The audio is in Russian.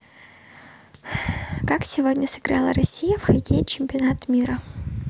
как сегодня сыграла россия в хоккей чемпионат мира